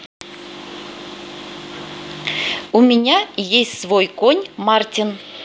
у меня есть свой конь мартин